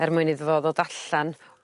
er mwyn iddo fo ddod allan